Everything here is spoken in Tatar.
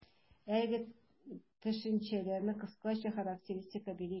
Әлеге төшенчәләргә кыскача характеристика бирик.